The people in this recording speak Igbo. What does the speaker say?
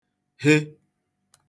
he